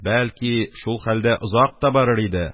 Бәлки шул хәлдә озак та барыр иде